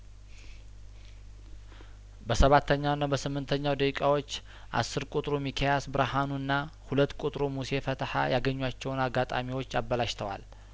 በሰባተኛውና በስምንተኛው ደቂቃዎች አስር ቁጥሩ ሚኪ ያስብርሀኑና ሁለት ቁጥሩ ሙሴ ፈት ሀያ ገኟቸውን አጋጣሚዎች አበላሽተዋል